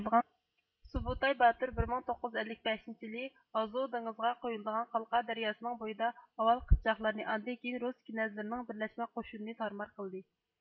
سۇبۇتاي باتۇر بىر مىڭ توققۇز يۇز ئەللىك بەشىنچى يىلى ئازۇۋ دېڭىزىغا قۇيۇلىدىغان قالقا دەرياسىنىڭ بويىدا ئاۋۋال قىپچاقلارنى ئاندىن كېيىن رۇس كېنەزلىرىنىڭ بىرلەشمە قوشۇنىنى تارمار قىلدى